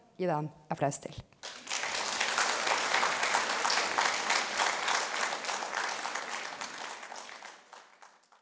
gje dei ein applaus til!